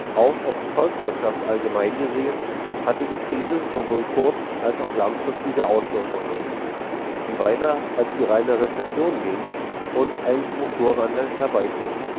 Auch auf die Volkswirtschaft allgemein gesehen hatte die Krise sowohl kurz - als auch langfristige Auswirkungen, die weiter als die reine Rezession gingen und einen Strukturwandel herbeiführten